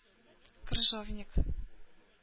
Крыжовник